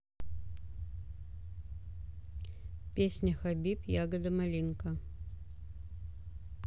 песня хабиб ягода малинка